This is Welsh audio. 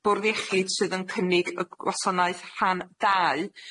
Bwrdd Iechyd sydd yn cynnig y gwasanaeth rhan dau